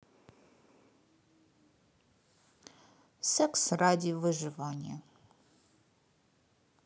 секс ради выживания